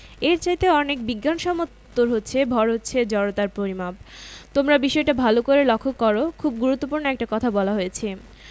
এর চাইতে অনেক বিজ্ঞানসম্মত উত্তর হচ্ছে ভর হচ্ছে জড়তার পরিমাপ তোমরা বিষয়টা ভালো করে লক্ষ করো খুব গুরুত্বপূর্ণ একটা কথা বলা হয়েছে